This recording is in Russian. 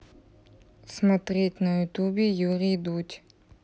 смотреть на ютубе юрий дудь